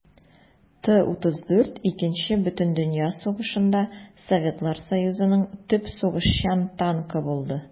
Т-34 Икенче бөтендөнья сугышында Советлар Союзының төп сугышчан танкы булды.